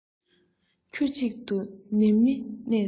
ཁྱུ གཅིག ཏུ ནི མི གནས སམ